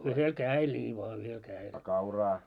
yhdellä kädellä niin vain yhdellä kädellä